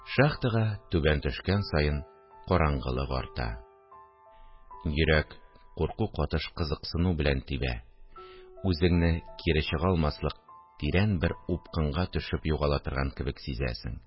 Шахтага түбән төшкән саен караңгылык арта, йөрәк курку катыш кызыксыну белән тибә; үзеңне кире чыга алмаслык тирән бер упкынга төшеп югала торган кебек сизәсең